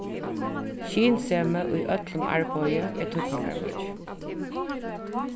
skynsemi í øllum arbeiði er týdningarmikið